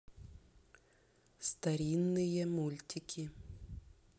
старинные мультики